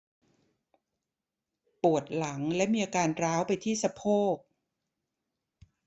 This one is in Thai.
ปวดหลังและมีอาการร้าวไปที่สะโพก